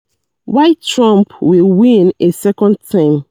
Why Trump Will Win a Second Term